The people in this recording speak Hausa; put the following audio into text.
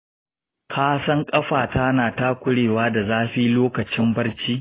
ƙasan ƙafata na takurewa da zafi lokacin barci.